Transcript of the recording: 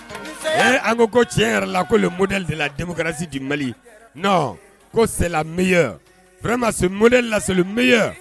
Ee a ko tiɲɛ yɛrɛ la ko le modèle de la democratie du Mali non ko c'sxt la meilleure vraiment ce modèle la c'est le meilleur